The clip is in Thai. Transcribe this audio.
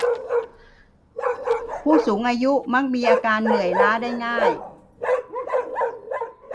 ผู้สูงอายุมักมีอาการเหนื่อยล้าได้ง่าย